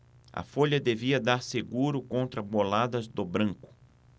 a folha devia dar seguro contra boladas do branco